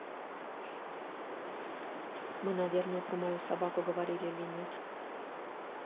мы наверное про мою собаку говорили или нет